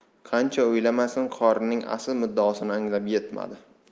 qancha o'ylamasin qorining asl muddaosini anglab yetmadi